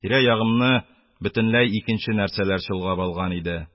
Тирә-ягымны бөтенләй икенче нәрсәләр чолгап алган иде.